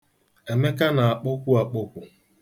Emeka na-akpọkwu akpọkwu.